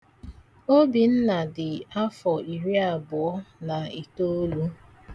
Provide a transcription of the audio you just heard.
Obinna dị afọ iriabụọ na itoolu.